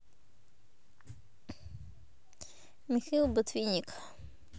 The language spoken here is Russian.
михаил ботвинник